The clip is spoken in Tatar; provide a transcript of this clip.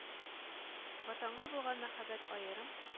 Ватанга булган мәхәббәт аерым